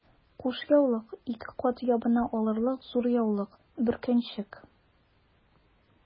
Кушъяулык— ике кат ябына алырлык зур яулык, бөркәнчек...